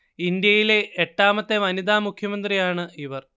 ഇന്ത്യയിലെ എട്ടാമത്തെ വനിതാ മുഖ്യമന്ത്രിയാണ് ഇവർ